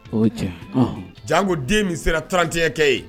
O ca jan ko den min sera tranckɛ ye